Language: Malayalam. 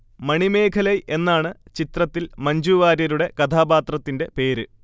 മണിമേഖലൈ എന്നാണ് ചിത്രത്തിൽ മ്ഞജുവാര്യരുടെ കഥാപാത്രത്തിന്റെ പേര്